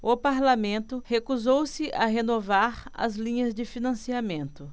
o parlamento recusou-se a renovar as linhas de financiamento